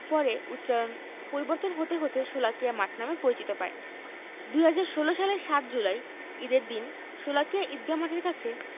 পরে উচ্চারণ পরিবর্তন হতে হতে শোলাকিয়া মাঠ নামে পরিচিত পায় ২০১৬ সালের ৭ জুলাই ঈদের দিন শোলাকিয়া ঈদগাহ মাঠের কাছে